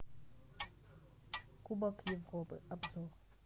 кубок европы обзор